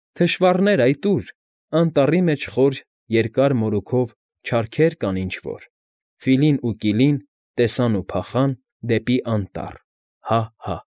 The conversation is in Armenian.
Թշվառներ, այդ ո՞ւր, Անտառի մեջ պոր Երկար մորուքով Չարքեր կան ինչ֊որ. Ֆիլին ու Կիլին Տեսան ու փախան Դեպի անտառ… Հա՛֊հա՛։